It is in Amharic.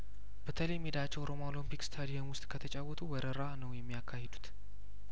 በተለይ ሜዳቸው ሮማ ኦሎምፒክ ስታዲየም ውስጥ ከተጫወቱ ወረራ ነው የሚያካሂዱት